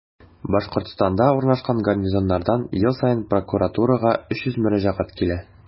Башкортстанда урнашкан гарнизоннардан ел саен прокуратурага 300 мөрәҗәгать килә.